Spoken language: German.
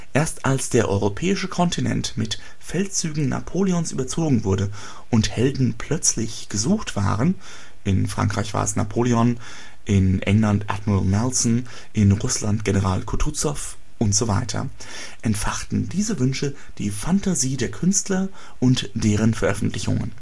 Erst als der europäische Kontinent mit Feldzügen Napoleons überzogen wurden und Helden plötzlich gesucht waren (in Frankreich war es Napoleon, in England Admiral Nelson, in Russland General Kutuzov usw.), entfachten diese Wünsche die Phantasie der Künstler und deren Veröffentlichungen